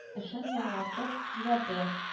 Эшен яңартып җибәрде